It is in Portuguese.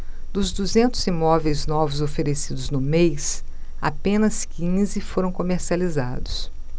dos duzentos imóveis novos oferecidos no mês apenas quinze foram comercializados